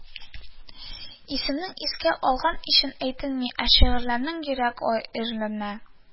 Исемне искә алган өчен әйтелми, ә шигырьләрең йөрәк әрнүле